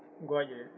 gooƴe ɗe